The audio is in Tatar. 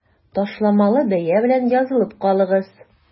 Ташламалы бәя белән язылып калыгыз!